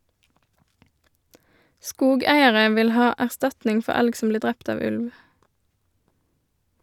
Skogeiere vil ha erstatning for elg som blir drept av ulv.